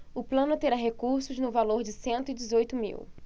o plano terá recursos no valor de cento e dezoito mil